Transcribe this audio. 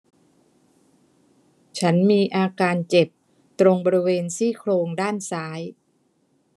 ฉันมีอาการเจ็บตรงบริเวณซี่โครงด้านซ้าย